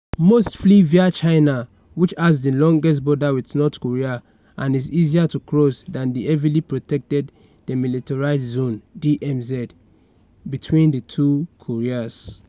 Most flee via China, which has the longest border with North Korea and is easier to cross than the heavily protected Demilitarised Zone (DMZ) between the two Koreas.